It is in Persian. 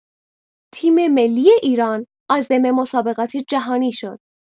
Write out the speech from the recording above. تیم‌ملی ایران عازم مسابقات جهانی شد.